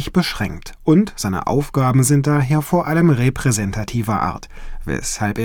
beschränkt, und seine Aufgaben sind vor allem repräsentativer Art, weshalb